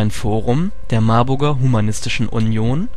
Online-Forum der Marburger Humanistischen Union